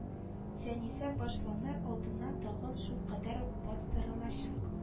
Җанисәп башланыр алдыннан тагын шулкадәр үк бастырылачак